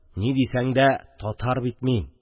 Ни дисәң дә, татар бит мин!..